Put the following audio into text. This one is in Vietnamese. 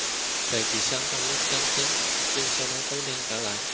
trời chỉ sáng trong lúc sáng sớm nhưng sau đó tối đen trở lại